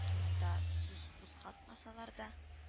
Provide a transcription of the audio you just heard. Турында сүз кузгатмасалар да